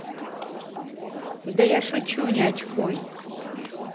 да я шучу неочкуй